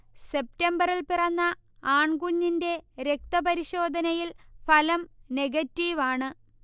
സെപ്റ്റംബറിൽ പിറന്ന ആൺകുഞ്ഞിന്റെ രക്തപരിശോധനയിൽ ഫലം നെഗറ്റീവ് ആണ്